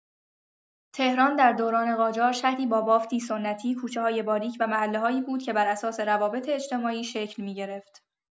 تهران در دوران قاجار شهری با بافتی سنتی، کوچه‌های باریک و محله‌هایی بود که بر اساس روابط اجتماعی شکل می‌گرفت.